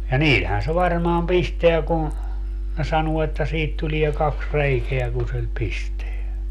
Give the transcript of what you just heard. ja niillähän se varmaan pistää kun ne sanoo että siitä tulee kaksi reikää kun sillä pistää